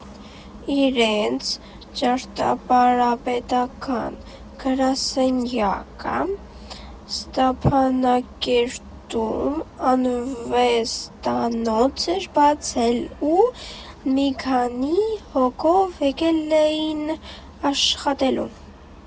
Իրենց ճարտարապետական գրասենյակը Ստեփանակերտում արվեստանոց էր բացել, ու մի քանի հոգով եկել էին աշխատելու։